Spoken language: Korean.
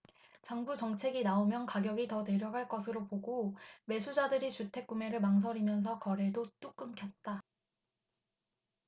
정부 정책이 나오면 가격이 더 내려갈 것으로 보고 매수자들이 주택 구매를 망설이면서 거래도 뚝 끊겼다